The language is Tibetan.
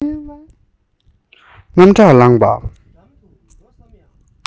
དངངས སྐྲག ལངས པ